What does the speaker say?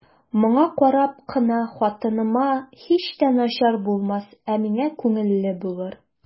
Моңа карап кына хатыныма һич тә начар булмас, ә миңа күңелле булыр.